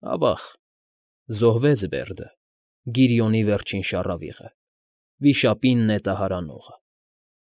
Ավա՜ղ… Զոհվեց Բերդը՝ Գիրիոնի վերջին շառավիղը, վիշապին նետահար անողը։